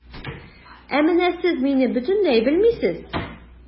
Ә менә сез мине бөтенләй белмисез.